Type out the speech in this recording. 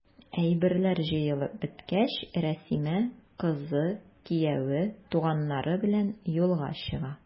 Әйберләр җыелып беткәч, Рәсимә, кызы, кияве, туганнары белән юлга чыга.